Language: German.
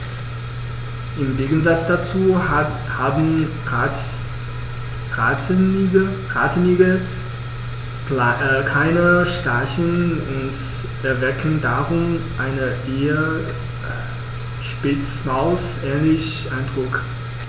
Im Gegensatz dazu haben Rattenigel keine Stacheln und erwecken darum einen eher Spitzmaus-ähnlichen Eindruck.